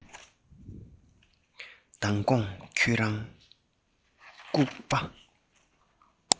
མདང དགོང ཁྱོད རང སྐྱག པ